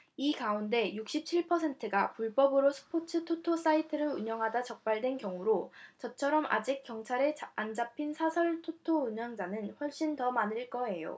이 가운데 육십 칠 퍼센트가 불법으로 스포츠 토토 사이트를 운영하다 적발된 경우로 저처럼 아직 경찰에 안 잡힌 사설 토토 운영자는 훨씬 더 많을 거예요